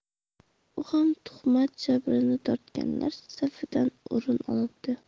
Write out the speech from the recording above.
u ham tuhmat jabrini tortganlar safidan o'rin olibdi